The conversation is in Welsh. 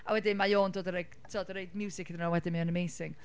A wedyn mae o’n dod a rhoi, timod... a rhoi miwsig iddyn nhw a wedyn mae o'n amazing.